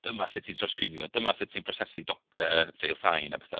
Dyma sut ti'n trawsgrifio. Dyma sut ti'n prosesu dog- yy ffeil sain a petha.